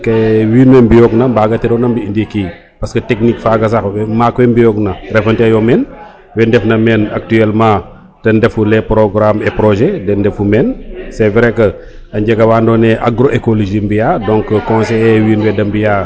ke wiin we mbiyo gina mbaga tiran o mbi ndiiki parce que: fra technique faga sax maak we mbiyo gina ndefa te yo meen we ndef na men actuellement ten refu les programme des projet nden ndefu men c' est vrai que a njega wa ando naye agro ecologie mbiya donc conseiller wiin we de biya